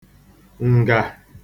ǹgà